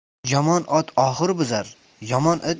yomon ot oxur buzar